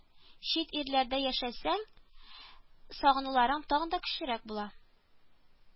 Чит ирләрдә яшәсәң, сагынуларың тагын да көчлерәк була